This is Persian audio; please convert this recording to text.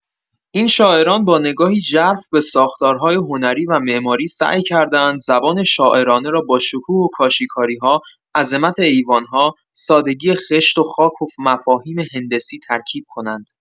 این شاعران با نگاهی ژرف به ساختارهای هنری و معماری، سعی کرده‌اند زبان شاعرانه را با شکوه کاشی‌کاری‌ها، عظمت ایوان‌ها، سادگی خشت و خاک و مفاهیم هندسی ترکیب کنند.